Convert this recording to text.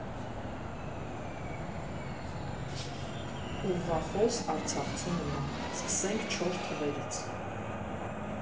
Ուղղախոս արցախցու նման՝ սկսենք չոր թվերից։